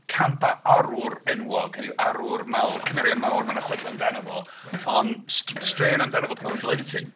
..campau arwr enwog, hynny yw, arwr mawr, cymeriad mawr, mae 'na chwedlau amdano fo ond st- straeon amdano fo pan oedd o'n blentyn.